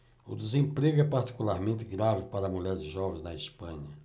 o desemprego é particularmente grave para mulheres jovens na espanha